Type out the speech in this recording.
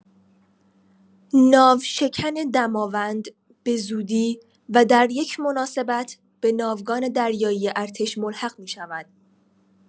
ناوشکن دماوند به‌زودی و در یک مناسبت به ناوگان دریایی ارتش ملحق می‌شود.